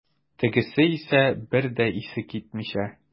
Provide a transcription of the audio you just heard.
Тегесе исә, бер дә исе китмичә.